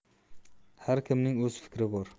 har kimning o'z fikri bor